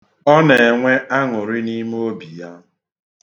Ọ na-enwe anụrị n'ime obi ya.